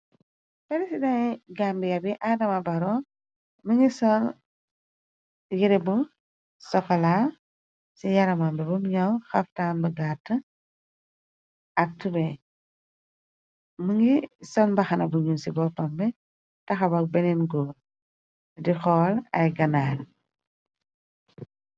Peresiden gambia bi adama barrow, më ngi sol yere bu sokala ci yaraman bi rum ñaw xaftamb gatt ak tubey, më ngi sol mbaxana bu ñuul ci bopam bi, taxawak beneen goor di xool ay ganaari.